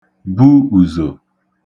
bu ùzò